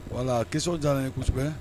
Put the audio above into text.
Wala kiso diyara ye kosɛbɛ